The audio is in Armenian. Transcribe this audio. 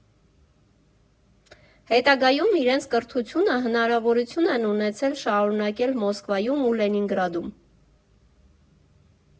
Հետագայում իրենց կրթությունը հնարավորություն են ունեցել շարունակել Մոսկվայում ու Լենինգրադում։